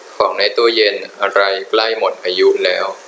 ของในตู้เย็นอะไรใกล้หมดอายุแล้ว